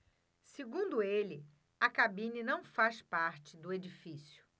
segundo ele a cabine não faz parte do edifício